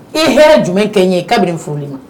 I hɛrɛ jumɛn kɛ ye ka bɛ nin foli na